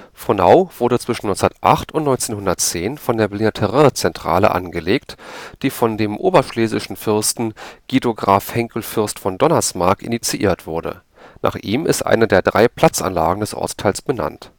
Frohnau wurde zwischen 1908 und 1910 von der „ Berliner Terrain-Centrale “angelegt, die von dem oberschlesischen Fürsten Guido Graf Henckel Fürst von Donnersmarck initiiert wurde (nach ihm ist eine der drei Platzanlagen des Ortsteils benannt